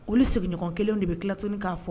Olu sigiɲɔgɔn kelen de bɛ tilat k'a fɔ